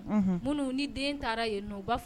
Minnu ni den taara yen